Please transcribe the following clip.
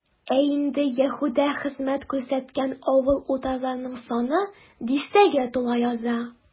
Ә инде Яһүдә хезмәт күрсәткән авыл-утарларның саны дистәгә тула яза.